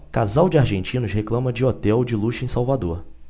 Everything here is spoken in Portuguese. casal de argentinos reclama de hotel de luxo em salvador